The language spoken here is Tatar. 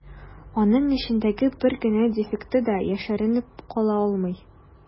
Аның эчендәге бер генә дефекты да яшеренеп кала алмый.